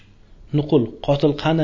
nuqul qotil qani